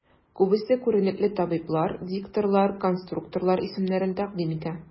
Күбесе күренекле табиблар, дикторлар, конструкторлар исемнәрен тәкъдим итә.